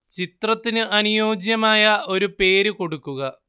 ചിത്രത്തിനു അനുയോജ്യമായ ഒരു പേരു കൊടുക്കുക